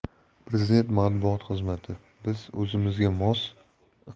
prezident matbuot xizmatibiz o'zimizga mos